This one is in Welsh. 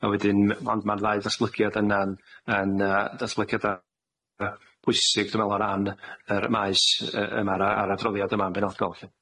A wedyn me- ond ma'r ddau ddatblygiad yna'n yn yy datblygiada pwysig dwi me'wl o ran yr maes yy yma a'r adroddiad yma yn benodol lly.